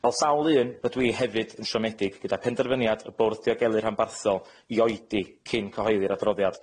Fel sawl un rydw i hefyd yn siomedig gyda penderfyniad y bwrdd diogelu rhanbarthol i oedi cyn cyhoeddi'r adroddiad.